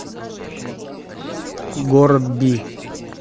город би